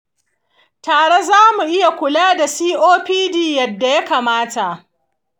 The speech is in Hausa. tare za mu iya kula da copd yadda ya kamata.